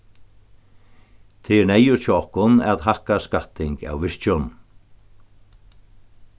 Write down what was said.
tað er neyðugt hjá okkum at hækka skatting av virkjum